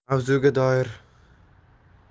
mavzuga doir